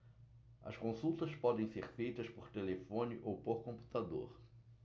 as consultas podem ser feitas por telefone ou por computador